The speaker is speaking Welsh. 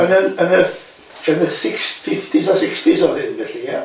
Yn y yn y ffi- yn y six- fifies a sixies o'dd hyn felly ia?